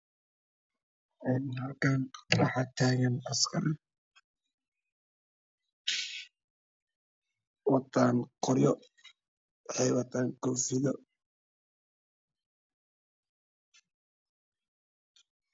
Halkan waxa tafan askar watan qolyo waxay watan koofiyo